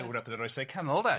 yn Ewrop yn yr oesau canol 'de.